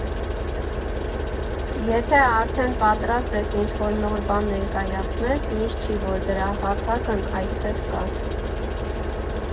Եթե արդեն պատրաստ ես ինչ֊որ նոր բան ներկայացնես, միշտ չի, որ դրա հարթակն այստեղ կա։